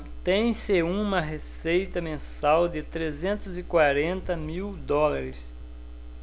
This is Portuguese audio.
tem-se uma receita mensal de trezentos e quarenta mil dólares